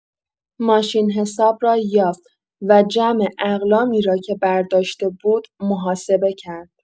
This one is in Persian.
ماشین‌حساب را یافت و جمع اقلامی را که برداشته بود، محاسبه کرد.